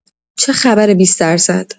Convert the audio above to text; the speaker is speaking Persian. چخبره ۲۰ درصد!